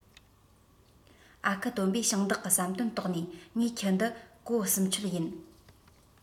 ཨ ཁུ སྟོན པས ཞིང བདག གི བསམ དོན རྟོགས ནས ངའི ཁྱི འདི གོ གསུམ ཆོད ཡིན